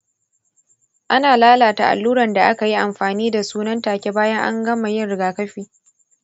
ana lalata alluran da aka yi amfani da su nan take bayan an gama yin rigakafi.